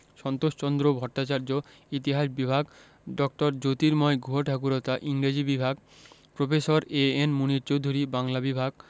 সন্তোষচন্দ্র ভট্টাচার্য ইতিহাস বিভাগ ড. জ্যোতির্ময় গুহঠাকুরতা ইংরেজি বিভাগ প্রফেসর এ.এন মুনীর চৌধুরী বাংলা বিভাগ